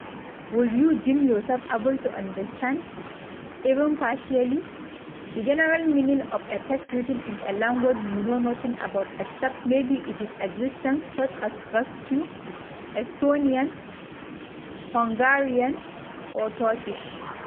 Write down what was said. Would you deem yourself able to understand – even partially – the general meaning of a text written in a language you know nothing about (except maybe its existence) such as Basque, Estonian, Hungarian or Turkish?